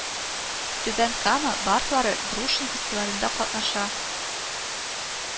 Түбән Кама бардлары Грушин фестивалендә катнаша